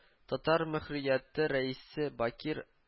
Татар мөхтәрияте рәисе бакир